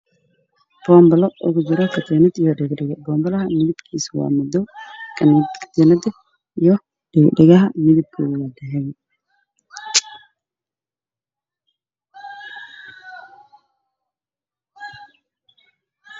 Boon balo ugu juro katiinad iyo dhego dhego boon balaha midab kiisu waa madow